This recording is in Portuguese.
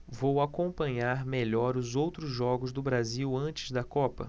vou acompanhar melhor os outros jogos do brasil antes da copa